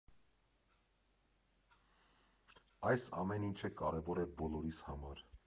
Այս ամեն ինչը կարևոր է բոլորիս համար.